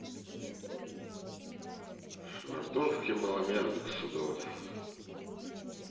швартовки маломерных судов